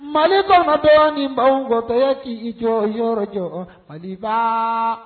Mali bamatɔ ni bawanwkɔtɔya k' jɔyɔrɔ jɔ mali fa